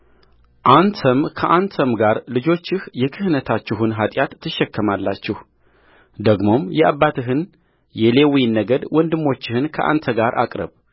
አንተም ከአንተም ጋር ልጆችህ የክህነታችሁን ኃጢአት ትሸከማላችሁደግሞም የአባትህን የሌዊን ነገድ ወንድሞችህን ከአንተ ጋር አቅርብ